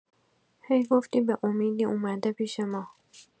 هی گفتی به امیدی اومده پیش ما.